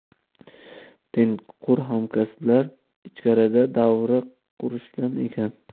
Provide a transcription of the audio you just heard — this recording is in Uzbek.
tengqur hamkasblar ichkarida davra qurishgan ekan